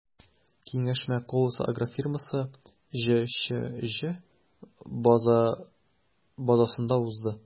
Киңәшмә “Колос” агрофирмасы” ҖЧҖ базасында узды.